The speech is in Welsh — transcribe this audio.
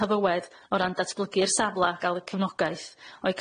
o hyfywedd o ran datblygu'r safla ga'l y cefnogaeth o'i